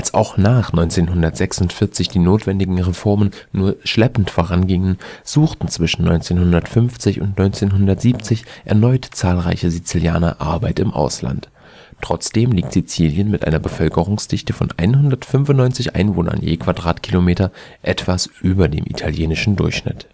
auch nach 1946 die notwendigen Reformen nur schleppend vorangingen, suchten zwischen 1950 und 1970 erneut zahlreiche Sizilianer Arbeit im Ausland. Trotzdem liegt Sizilien mit einer Bevölkerungsdichte von 195 Einwohnern je km² etwas über dem italienischen Durchschnitt